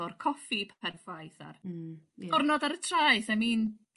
o'r coffi perffaith a'r... Hmm ia. ...ni gornod ar y traeth I mean